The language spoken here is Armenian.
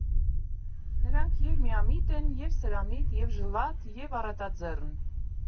Նրանք և՛ միամիտ են, և՛ սրամիտ, և՛ ժլատ, և՛ առատաձեռն։